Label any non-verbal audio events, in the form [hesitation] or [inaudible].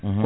[hesitation] [hesitation]